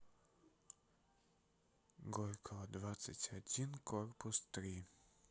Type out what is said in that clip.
горького двадцать один корпус три